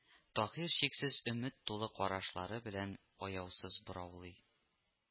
Таһир чиксез өмет тулы карашлары белән аяусыз бораулый